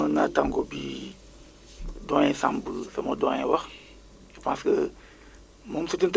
léegi produecteurs yi d' abord am nañu donc la télé dañu fay jaarale prévisions yi